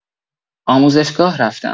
آموزشگاه رفتم